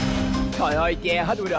trời ơi che hết đuôi lời